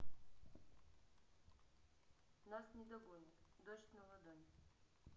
нас не догонят дождь на ладони